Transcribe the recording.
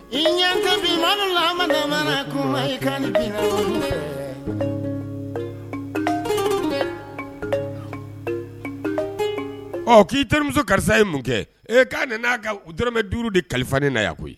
Ɔ ki terimuso karisa ye mun kɛ? ka nana ka dɔrɔmɛ 5 de kalifa ne na yan koyi